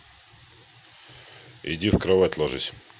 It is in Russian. иди в кровать ложись